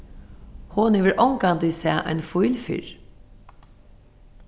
hon hevur ongantíð sæð ein fíl fyrr